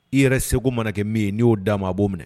I yɛrɛ seeko mana kɛ min ye n'i y'o d'a ma a b'o minɛ